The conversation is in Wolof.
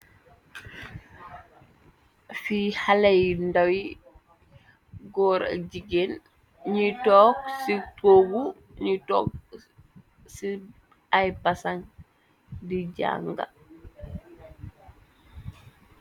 fi xale yi ndawi góora jigéen ñuy tokg ci togu ñuy toog ci ay pasaŋ di janga